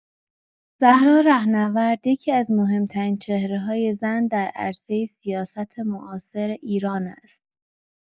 زهرا رهنورد یکی‌از مهم‌ترین چهره‌های زن در عرصه سیاست معاصر ایران است.